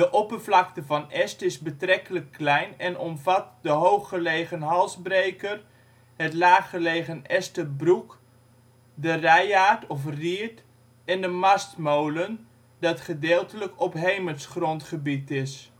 oppervlakte van Est is betrekkelijk klein en omvat de hooggelegen Halsbreker, het laaggelegen Esterbroek, de Reijaard (of Riert) en de Mastmolen, dat gedeeltelijk Ophemerts grondgebied is